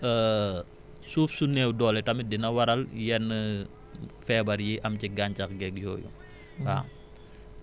parce que tamit suuf su néew doole tamit dina waral yenn feebar yi am ci gàncax beeg yooyu